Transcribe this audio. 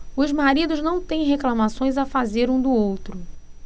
os maridos não têm reclamações a fazer um do outro